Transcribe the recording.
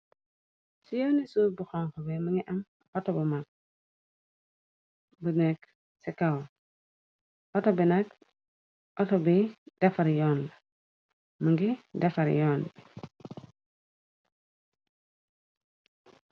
ci yooni suuf bu xonxobe mëngi am atob mag bu nekk ci cao atobinak ato bi defar yoon la mëngi defar yoon bi